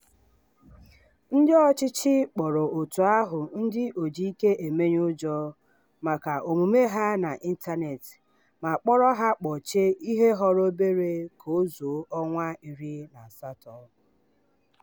Ndị ọchịchị obodo kpọrọ òtù ahụ "ndị ojiikeemenyeụjọ" maka omume ha n'ịntaneetị ma kpọrọ ha kpọchie ihe họrọ obere ka o zuo ọnwa 18.